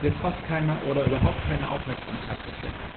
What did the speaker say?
wird fast keine oder überhaupt keine Aufmerksamkeit geschenkt.